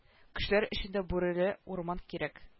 Кешеләр өчен дә бүреле урман кирәк